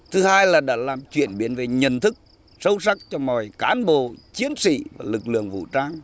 thứ hai là đã làm chuyển biến về nhận thức sâu sắc cho mọi cán bộ chiến sĩ lực lượng vũ trang